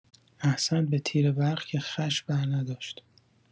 احسنت به تیر برق که خش برنداشت